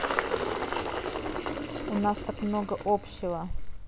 у нас так много общего